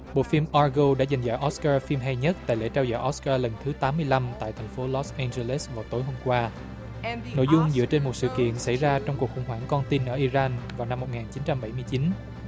bộ phim a gâu đã giành giải ót cơ phim hay nhất tại lễ trao giải ót cơ lần thứ tám mươi lăm tại thành phố lót en giơ lết vào tối hôm qua nội dung dựa trên sự kiện xảy ra trong cuộc khủng hoảng con tin ở i ran vào năm một ngàn chín trăm bảy mươi chín